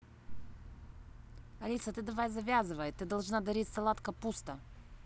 алиса ты давай завязывай ты должна дарить салат капуста